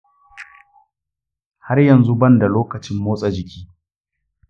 har yanzu ban da lokacin motsa-jiki.